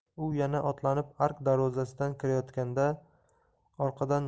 u yana otlanib ark darvozasidan kirayotganda orqadan